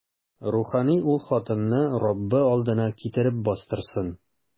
Рухани ул хатынны Раббы алдына китереп бастырсын.